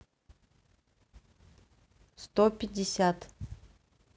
сто пятьдесят